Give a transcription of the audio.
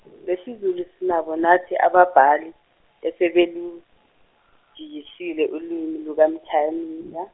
lwesiZulu sinabo nathi ababhali esebelujiyisile ulimi lukaMthaniya.